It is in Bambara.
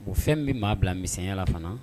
O fɛn bɛ maa bila misɛnyala fana